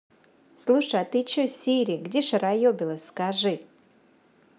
слушай а ты че сири где шараебилась скажи